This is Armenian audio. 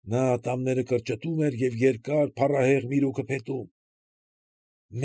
Նա ատամները կրճտում էր և երկար փառահեղ միրուքը փետում։